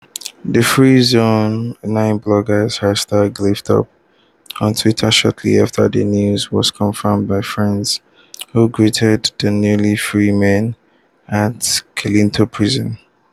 The #FreeZone9Bloggers hashtag lit up on Twitter shortly after the news was confirmed by friends who greeted the newly freed men at Kilinto Prison.